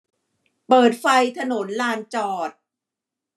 เปิดไฟถนนลานจอด